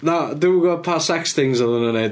Na, dwi'm yn gwbod pa sex things oedden nhw'n wneud.